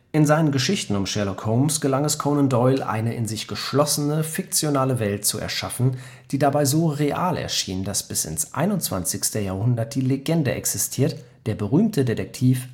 In seinen Geschichten um Sherlock Holmes gelang es Conan Doyle, eine in sich geschlossene, fiktionale Welt zu erschaffen, die dabei so real erscheint, dass bis ins 21. Jahrhundert die Legende existiert, der berühmte Detektiv